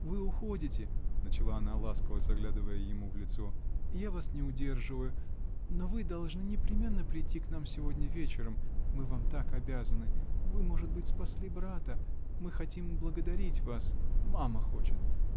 -- Вы уходите, -- начала она, ласково заглядывая ему в лицо, -- я вас не удерживаю, но вы должны непременно прийти к нам сегодня вечером, мы вам так обязаны -- вы, может быть, спасли брата: мы хотим благодарить вас -- мама хочет.